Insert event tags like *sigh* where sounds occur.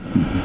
*hesitation* *hesitation*